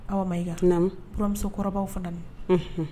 Awa Mayiga, naamu, buranmusokɔrɔbaw fana dun, unhun